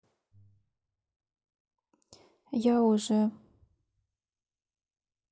я уже